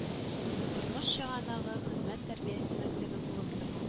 Тормыш чыганагы, хезмәт тәрбиясе мәктәбе булып торган